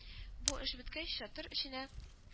Бу эш беткәч, чатыр эченә